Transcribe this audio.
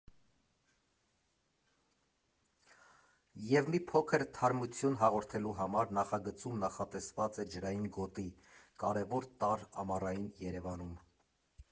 Եվ մի փոքր թարմություն հաղորդելու համար նախագծում նախատեսված է ջրային գոտի՝ կարևոր տարր ամառային Երևանում։